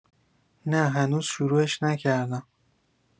نه هنوز شروعش نکردم